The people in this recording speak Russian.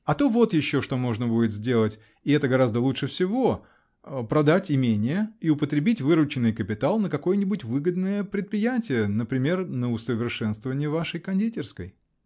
А то вот еще что можно будет сделать -- и это гораздо лучше всего: продать имение и употребить вырученный капитал на какое-нибудь выгодное предприятие, например, на усовершенствование вашей кондитерской .